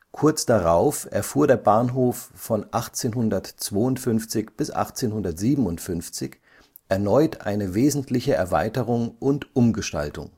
Kurz darauf erfuhr der Bahnhof von 1852 bis 1857 erneut eine wesentliche Erweiterung und Umgestaltung